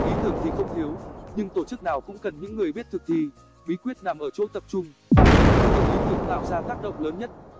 ý tưởng thì không thiếu nhưng tổ chức nào cũng cần những người biết thực thi bí quyết nằm ở chỗ tập trung bạn cần ưu tiên ý tưởng tạo ra tác động lớn nhất